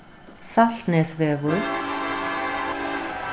saltnesvegur